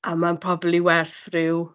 A mae'n probably werth ryw...